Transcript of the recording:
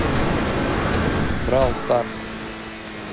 бравл стар